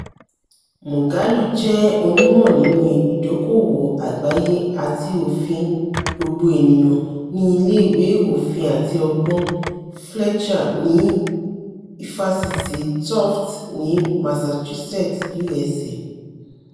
Moghalu jẹ́ onímọ̀ nínú ìdókòwò àgbáyé àti òfin gbogbo ènìyàn ní ilé ìwé Òfin àti Ọgbọ́n Fletcher ní Ifásitì Tufts ní Massachusetts, USA.